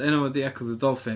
Enw fo ydy Echo the Dolphin.